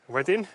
Wedyn